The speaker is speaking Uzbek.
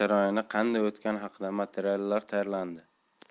jarayoni qanday o'tgani haqida material tayyorladi